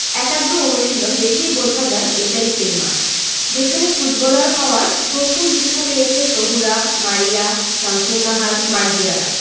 একাগ্র অনুশীলন দেখেই বোঝা যায় এটাই সেই মাঠ যেখানে ফুটবলার হওয়ার প্রথম দীক্ষা পেয়েছে তহুরা মারিয়া শামসুন্নাহার মার্জিয়ারা